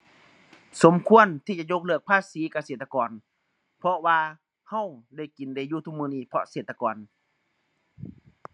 สมควรที่จะยกเลิกภาษีเกษตรกร เพราะว่าเราได้กินได้อยู่ทุกมื้อนี้ เพราะเกษตรกร